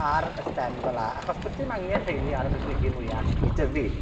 ar y stem fela achos do's dim angen rheini ar y blanhigyn mwya, i dyfu.